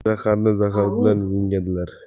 zaharni zahar bilan yengadilar